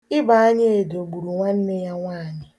Ịbaanyaedo gburu ya